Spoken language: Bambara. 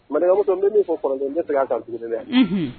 Manikamuso n bɛ min fɔ kɔrɔlen n bi segin a kan tuguni dɛ.